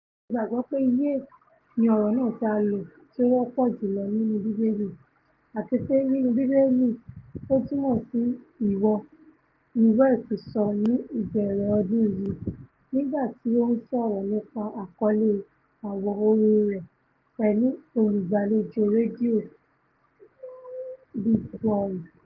Mo gbàgbọ́ pe 'ye' ni ọ̀rọ̀ náà tí́ a lò tí o ́wọ́pò jùlọ nínú Bíbélì, àtipé nínú Bíbélì ó túmọ̀ sí 'ìwọ,''' ni West sọ ní ìbẹ̀rẹ̀ ọdún yìí, nígbàtí ó ńsọ̀rọ̀ nípa àkọlé àwo orin rè pẹ̀lú olùgbàlejò rédíò Big Boy.